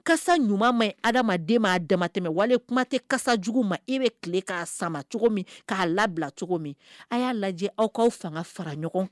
Kasa ɲuman maɲi adamaden ma a damatɛmɛ wale kuma te kasajugu ma e be tile k'a sama cogo min k'a labila cogo min a y'a lajɛ aw k'aw faŋa fara ɲɔgɔn